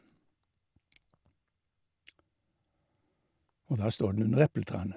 Og der står den under epletrærne.